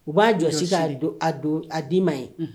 U b'a jɔ sisan k ka don a don a'i ma ye